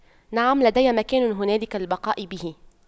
نعم لدي مكان هنالك للبقاء به